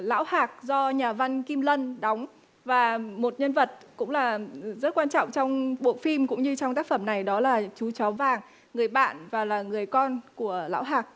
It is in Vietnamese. lão hạc do nhà văn kim lân đóng và một nhân vật cũng là rất quan trọng trong bộ phim cũng như trong tác phẩm này đó là chú chó vàng người bạn và là người con của lão hạc